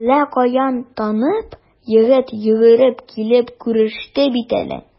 Әллә каян танып, егет йөгереп килеп күреште бит әле.